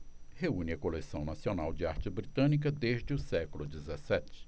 reúne a coleção nacional de arte britânica desde o século dezessete